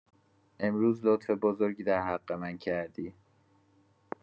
امروز لطف بزرگی در حق من کردی.